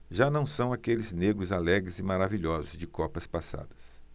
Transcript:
já não são aqueles negros alegres e maravilhosos de copas passadas